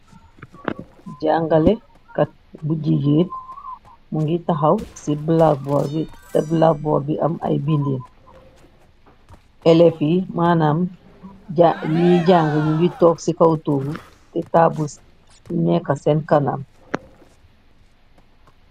Jangaleh kat bu jigeen mogi taxaw si blackboard bi tex blackboard bi am ay bidew elefe yi manam ja nyui jànga nyungi tog si kaw tog si tabul neka si sen kanam.